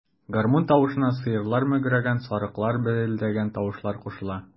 Гармун тавышына сыерлар мөгрәгән, сарыклар бәэлдәгән тавышлар кушыла.